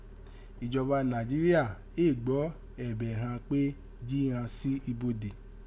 Ìjọba Naijiria éè gbọ́ ẹbẹ̀ ghan pé ji ghan si ibode.